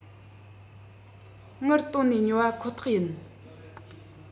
དངུལ བཏོན ནས ཉོ བ ཁོ ཐག ཡིན